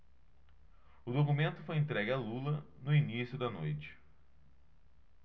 o documento foi entregue a lula no início da noite